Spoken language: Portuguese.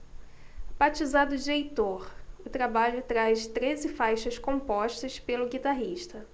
batizado de heitor o trabalho traz treze faixas compostas pelo guitarrista